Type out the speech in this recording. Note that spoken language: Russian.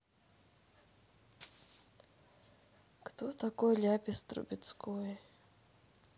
кто такой ляпис трубецкой